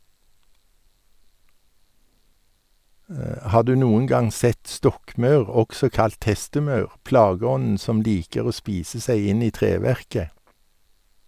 Har du noen gang sett stokkmaur, også kalt hestemaur, plageånden som liker å spise seg inn i treverket?